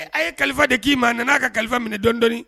E a ye kalifa de k'i ma, a nana a ka kalifa minɛ dɔɔni dɔɔni!